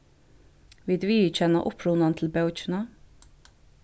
vit viðurkenna upprunan til bókina